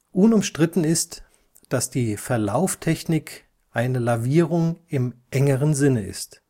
Unumstritten ist, dass die Verlauftechnik eine Lavierung (von lat. lavare „ [ver] waschen “) im engeren Sinne ist